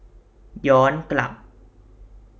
ย้อนกลับ